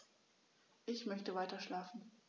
Ich möchte weiterschlafen.